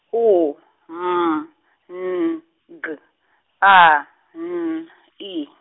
U, M, N, G, A, N , I.